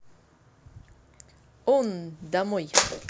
one домой